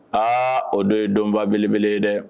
A o don ye donba belebele ye dɛ